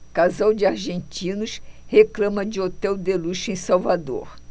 casal de argentinos reclama de hotel de luxo em salvador